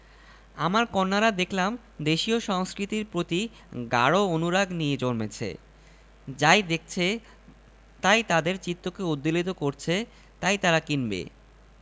ছেলের হাতও একটা আইসক্রিম ভয়াবহ পরিস্থিতি ছেলেটির বাবা আমাকে বিনীত ভঙ্গিতে বললেন ভাই কিছু মনে করবেন না এর আইসক্রিমটায় একটা কামড় দেন ছেলে মানুষ একটা আবদার করছে